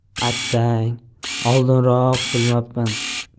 attang oldinroq bilmabman